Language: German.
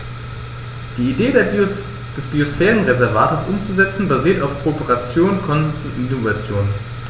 Die Idee des Biosphärenreservates umzusetzen, basiert auf Kooperation, Konsens und Innovation.